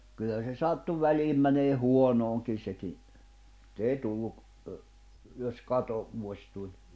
kyllä se sattui väliin menemään huonoonkin sekin että ei tullut - jos - katovuosi tuli